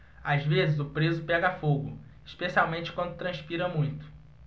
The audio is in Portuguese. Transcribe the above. às vezes o preso pega fogo especialmente quando transpira muito